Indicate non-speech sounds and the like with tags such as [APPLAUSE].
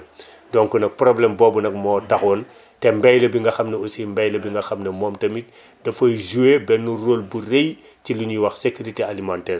[BREATH] donc nag problèmes boobu nag moo taxoon te mbay la bi nga xam ne aussi mbay la bi nga xam ne moom tamit [BREATH] dafay joué benn rôle bu rëy ci li ñuy wax sécurité alimentaire bi